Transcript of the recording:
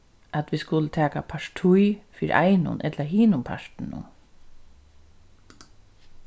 at vit skulu taka partí fyri einum ella hinum partinum